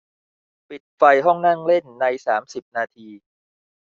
ปิดไฟห้องนั่งเล่นในสามสิบนาที